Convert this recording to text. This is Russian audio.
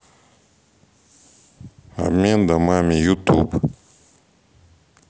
обмен домами ютуб